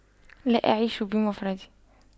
لا أعيش بمفردي